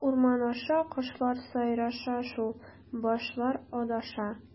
Кара урман аша, кошлар сайраша шул, башлар адаша.